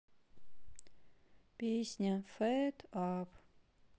песня фэт ап